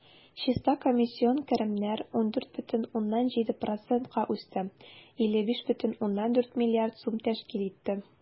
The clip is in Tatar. Чиста комиссион керемнәр 14,7 %-ка үсте, 55,4 млрд сум тәшкил итте.